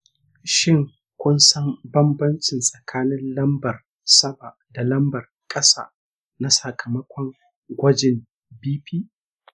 shin kun san bambanci tsakanin lambar-sama da lambar-ƙasa na sakamakon gwajin bp?